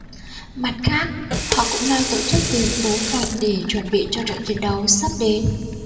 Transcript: mặt khác họ cũng lo tổ chức việc bố phòng để chuẩn bị cho trận chiến đấu sắp đến